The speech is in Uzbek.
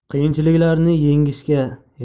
qiyinchiliklarni yengishga yordam